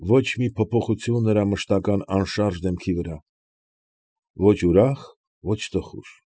Ոչ մի փոփոխություն նրա մշտական անշարժ դեմքի վրա, ո՛չ ուրախ, ո՛չ տխուր։